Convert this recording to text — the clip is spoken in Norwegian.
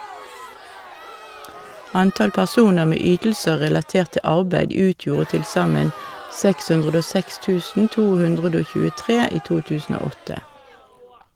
Antall personer med ytelser relatert til arbeid utgjorde tilsammen 606.223 i 2008.